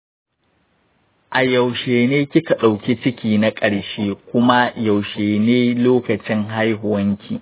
a yaushe ne ki ka dauki ciki na ƙarshe kuma yaushe ne lokacin haihuwanki?